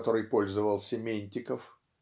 которой пользовался Ментиков)